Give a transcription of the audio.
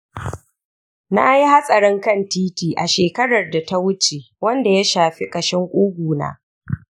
na yi hatsarin kan titi a shekarar da ta wuce wanda ya shafi ƙashin ƙugu na.